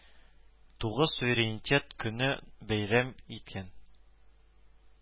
Тугыз суверенитет көне бәйрәм иткән